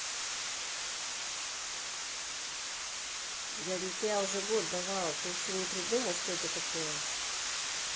я для тебя уже год давала ты еще не придумал что это такое